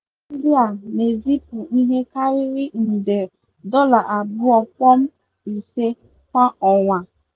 Ndị ahịa ndị a na-ezipụ ihe karịrị nde $2.5 kwa ọnwa.